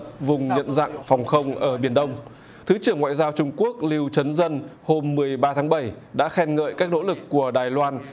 vùng nhận dạng phòng không ở biển đông thứ trưởng ngoại giao trung quốc lưu chấn dân hôm mười ba tháng bảy đã khen ngợi các nỗ lực của đài loan